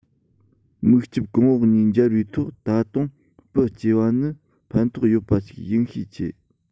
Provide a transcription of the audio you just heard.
མིག ལྕིབས གོང འོག གཉིས འབྱར བའི ཐོག ད དུང སྤུ སྐྱེས པ ནི ཕན ཐོགས ཡོད པ ཞིག ཡིན ཤས ཆེ